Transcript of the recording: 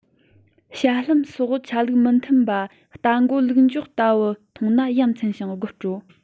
ཞྭ ལྷམ སོགས ཆ ལུགས མི མཐུན པ རྟ མགོ ལུག གཞུག ལྟ བུ མཐོང ན ཡ མཚན ཞིང དགོད བྲོ